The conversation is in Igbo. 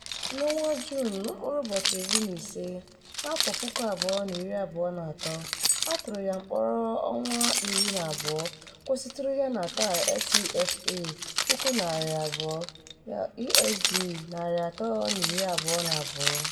Na June 15, 2023, a tụrụ ya mkpọrọ ọnwa iri na abụọ kwụsịtụrụ yana taa FCFA 200,000 (USD 322).